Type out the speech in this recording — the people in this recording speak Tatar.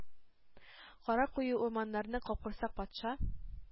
Кара куе урманнарны капкорсак патша